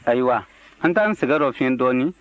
ayiwa an t'an sɛgɛnnafiɲɛ dɔɔnin